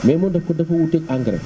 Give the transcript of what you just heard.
mais moom da fa da fa wuuteeg engrais